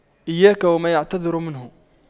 إياك وما يعتذر منه